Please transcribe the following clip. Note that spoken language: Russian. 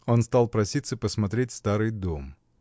Он стал проситься посмотреть старый дом.